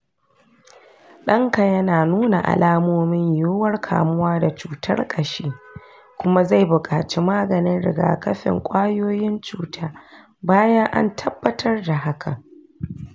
danka yana nuna alamomin yiwuwar kamuwa da cutar ƙashi kuma zai buƙaci maganin rigakafin ƙwayoyin cuta bayan an tabbatar da hakan.